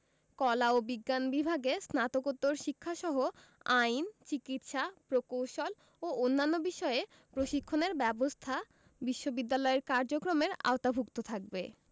কলা ও বিজ্ঞান বিভাগে স্নাতকোত্তর শিক্ষাসহ আইন চিকিৎসা প্রকৌশল ও অন্যান্য বিষয়ে প্রশিক্ষণের ব্যবস্থা বিশ্ববিদ্যালয়ের কার্যক্রমের আওতাভুক্ত থাকবে